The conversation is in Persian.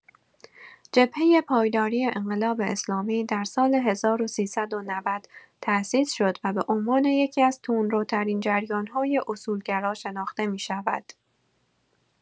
جبهه پایداری انقلاب اسلامی در سال ۱۳۹۰ تأسیس شد و به عنوان یکی‌از تندروترین جریان‌های اصولگرا شناخته می‌شود.